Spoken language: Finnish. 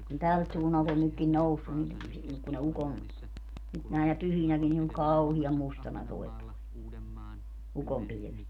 kun tältä suunnalta on nytkin noussut niin - kun ne ukon nyt näinä pyhinäkin niin on kauhean mustana tuo ukonpilvet